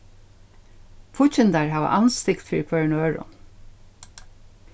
fíggindar hava andstygd fyri hvørjum øðrum